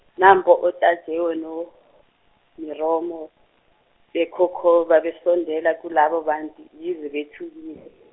nampo oTajewo noMiromo bekhokhoba besondela kulabo bantu yize bethukile.